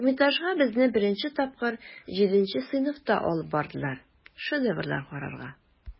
Эрмитажга безне беренче тапкыр җиденче сыйныфта алып бардылар, шедеврлар карарга.